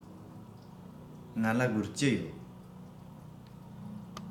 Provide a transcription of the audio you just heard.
ང ལ སྒོར བཅུ ཡོད